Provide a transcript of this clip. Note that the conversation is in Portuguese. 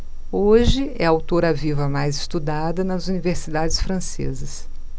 hoje é a autora viva mais estudada nas universidades francesas